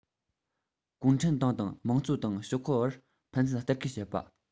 གུང ཁྲན ཏང དང དམངས གཙོའི ཏང ཤོག ཁག བར ཕན ཚུན ལྟ སྐུལ བྱེད པ